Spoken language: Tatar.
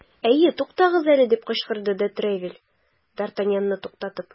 Әйе, тукагыз әле! - дип кычкырды де Тревиль, д ’ Артаньянны туктатып.